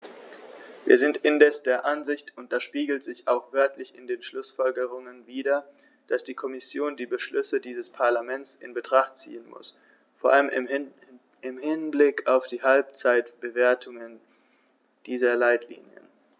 Wir sind indes der Ansicht und das spiegelt sich auch wörtlich in den Schlussfolgerungen wider, dass die Kommission die Beschlüsse dieses Parlaments in Betracht ziehen muss, vor allem im Hinblick auf die Halbzeitbewertung dieser Leitlinien.